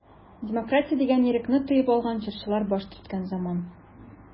Демократия дигән ирекне тоеп алган җырчылар баш төрткән заман.